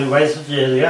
Dwy waith y dydd ia?